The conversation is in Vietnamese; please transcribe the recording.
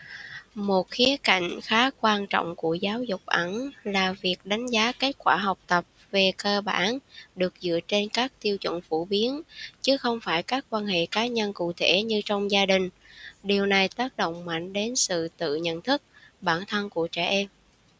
một khía cạnh khá quan trọng của giáo dục ẩn là việc đánh giá kết quả học tập về cơ bản được dựa trên các tiêu chuẩn phổ biến chứ không phải các quan hệ cá nhân cụ thể như trong gia đình điều này tác động mạnh đến sự tự nhận thức bản thân của trẻ em